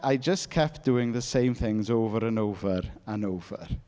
I just kept doing the same things over and over and over.